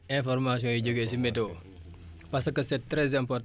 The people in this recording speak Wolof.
information yi jugee si météo parce que c' est très important